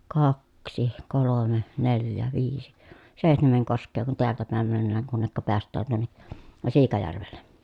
kaksi kolme neljä viisi seitsemän koskea kun täältä päin mennään kunne päästään tuonne Siikajärvelle